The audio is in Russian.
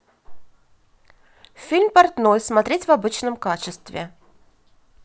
фильм портной смотреть в обычном качестве